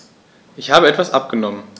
Ich habe etwas abgenommen.